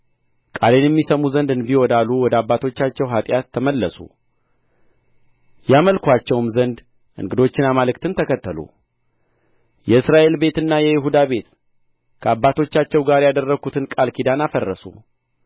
ቃሌንም ይሰሙ ዘንድ እንቢ ወዳሉ ወደ አባቶቻቸው ኃጢአት ተመለሱ ያመልኩአቸውም ዘንድ እንግዶችን አማልክት ተከተሉ የእስራኤል ቤትና የይሁዳ ቤት ከአባቶቻቸው ጋር ያደረግሁትን ቃል ኪዳን አፈረሱ